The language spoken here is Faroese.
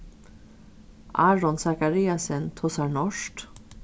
aron zachariasen tosar norskt